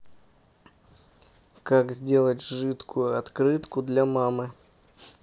как сделать жидкую открытку для мамы